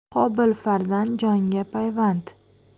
qobil farzand jonga payvand